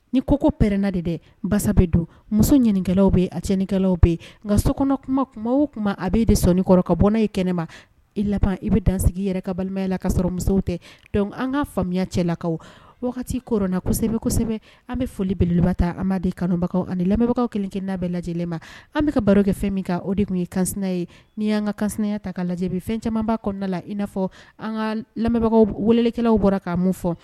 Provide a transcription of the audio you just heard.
Ni koko pɛrɛnna de dɛ basa bɛ don muso ɲinikɛlaw bɛ a cɛinkɛlaw bɛ yen nka sokɔnɔ kuma kuma o tuma a bɛ e de sɔnikɔrɔ ka bɔn ye kɛnɛ ma i la i bɛ dansigi i yɛrɛ ka balimaya la kasɔrɔ musow tɛ dɔnku an ka faamuya cɛ lakaw wagati kona kosɛbɛ kosɛbɛ an bɛ folibeleribaba ta an' kanubagaw ani lamɛnbagaw kelenkelen' bɛɛ lajɛ lajɛlen ma an bɛka ka baro kɛ fɛn min kan o de tun ye kans ye ni y anan kasya ta ka lajɛ fɛn camanba kɔnɔna la i n'a fɔ an ka lamɛnbagaw weleelelikɛlaw bɔra k' mun fɔ